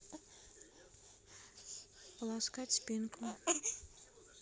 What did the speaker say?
поласкать спинку